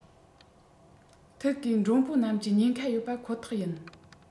ཐིག གིས མགྲོན པོ རྣམས ཀྱི ཉེན ཁ ཡོད པ ཁོ ཐག ཡིན